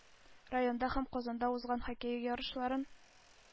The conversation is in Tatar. Районда һәм казанда узган хоккей ярышларын